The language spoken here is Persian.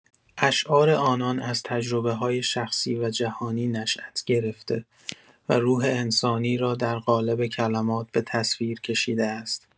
اشعار آنان از تجربه‌های شخصی و جهانی نشئت گرفته و روح انسانی را در قالب کلمات به تصویر کشیده است.